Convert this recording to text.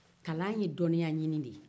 kalan ye dɔnniyaɲini de ye